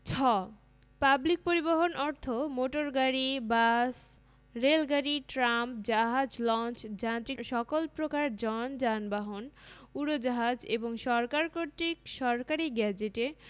ছ পাবলিক পরিবহণ অর্থ মোটর গাড়ী বাস রেলগাড়ী ট্রাম জাহাজ লঞ্চ যান্ত্রিক সকল প্রকার জন যানবাহন উড়োজাহাজ এবং সরকার কর্তৃক সরকারী গেজেটে